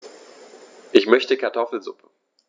Ich möchte Kartoffelsuppe.